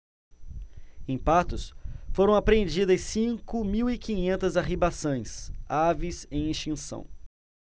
em patos foram apreendidas cinco mil e quinhentas arribaçãs aves em extinção